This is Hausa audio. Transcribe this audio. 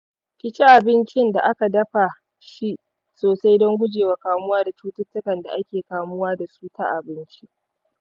kici abincin da aka dafa shi sosai don gujewa kamuwa da cututtukan da ake kamuwa dasu ta abinci.